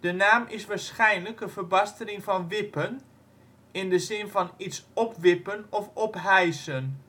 De naam is waarschijnlijk een verbastering van wippen, in de zin van iets opwippen of ophijsen